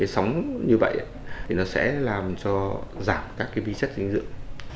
sóng như vậy á thì nó sẽ làm cho giảm các cái vi chất dinh dưỡng